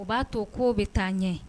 U b'a to k'o bɛ taa ɲɛ